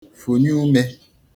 fụ̀nye umē